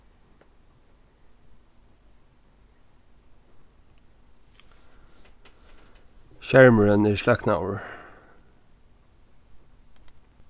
skermurin er sløknaður